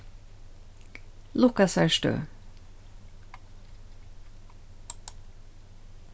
lukkasarstøð